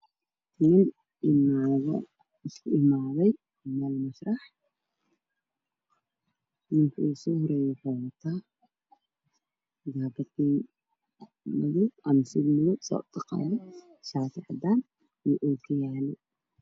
Waa xaflad waxaa ii muuqda niman naaba ninka wuxuu wata sud buluug ah waxay wadataa ruuxaad qaxoo ah